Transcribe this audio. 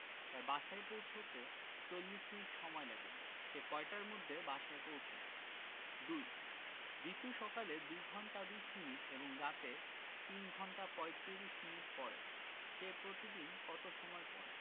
তার বাসায় পৌছোতে ৪০ মিনিট সময় লাগে সে কয়টার মধ্যে বাসায় পৌছায় ২ রিতু সকালে ২ ঘন্টা ২০ মিনিট এবং রাতে ৩ ঘণ্টা ৩৫ মিনিট পড়ে সে প্রতিদিন কত সময় পড়ে